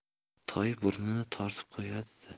toy burnini tortib qo'yadi da